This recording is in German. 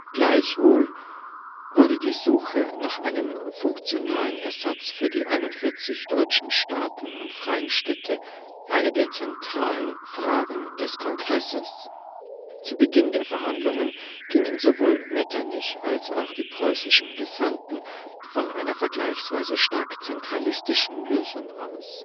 Gleichwohl wurde die Suche nach einem funktionalen Ersatz für die 41 deutschen Staaten und freien Städte eine der zentralen Fragen des Kongresses. Zu Beginn der Verhandlungen gingen sowohl Metternich als auch die preußischen Gesandten von einer vergleichsweise stark zentralistischen Lösung aus